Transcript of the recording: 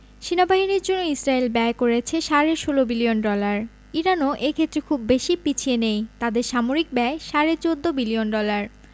সেনাবাহিনীর জন্য ইসরায়েল ব্যয় করেছে সাড়ে ১৬ বিলিয়ন ডলার ইরানও এ ক্ষেত্রে খুব বেশি পিছিয়ে নেই তাদের সামরিক ব্যয় সাড়ে ১৪ বিলিয়ন ডলার